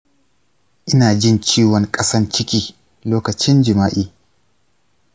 ina jin ciwon ƙasan ciki lokacin jima’i.